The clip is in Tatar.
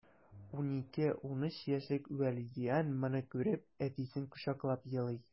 12-13 яшьлек вәлидиан моны күреп, әтисен кочаклап елый...